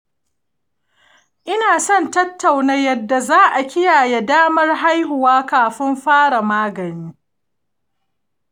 ina son tattauna yadda za a kiyaye damar haihuwa kafin fara magani.